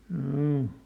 joo